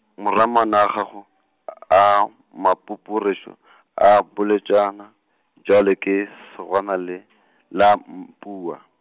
maramana a gago, a mapupuruse , a boletšana, bjalo ke segwana le , la mpua.